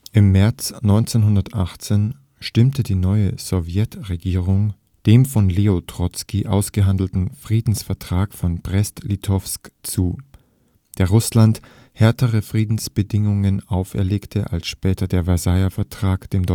Im März 1918 stimmte die neue Sowjetregierung dem von Leo Trotzki ausgehandelten Friedensvertrag von Brest-Litowsk zu, der Russland härtere Friedensbedingungen auferlegte als später der Versailler Vertrag dem